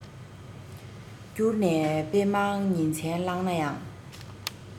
བསྐྱུར ནས དཔེ མང ཉིན མཚན བཀླགས ན ཡང